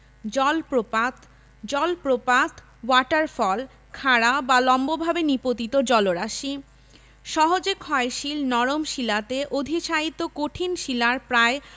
জলপ্রপাত জলপ্রপাত water fall খাড়া বা লম্বভাবে নিপতিত জলরাশি সহজে ক্ষয়শীল নরম শিলাতে অধিশায়িত কঠিন শিলার প্রায়